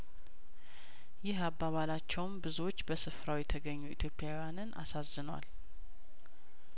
ይህ አባባላቸውም ብዙዎች በስፍራው የተገኙ ኢትዮጵያዊያንን አሳዝኗል